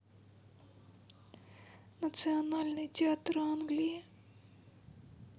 национальный театр англии